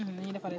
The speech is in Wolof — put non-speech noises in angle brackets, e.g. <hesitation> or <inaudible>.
<hesitation> <hesitation> ni ñuy defaree